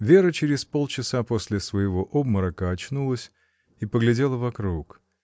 Вера, через полчаса после своего обморока, очнулась и поглядела вокруг.